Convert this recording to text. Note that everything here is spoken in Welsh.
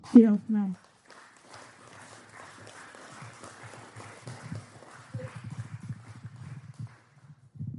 Diolch yn fawr.